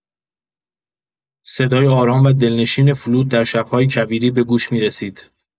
صدای آرام و دلنشین فلوت در شب‌های کویری به گوش می‌رسید.